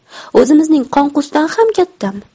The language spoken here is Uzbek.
o'zimizning qonqusdan ham kattami